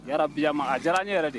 N bi a ma a diyara n ne yɛrɛ de